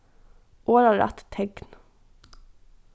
orðarætt tekn